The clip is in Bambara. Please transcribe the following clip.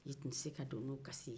i tun tɛ se ka don ni o kasi ye